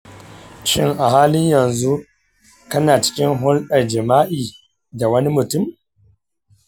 shin a halin yanzu kana cikin hulɗar jima'i da wani mutum?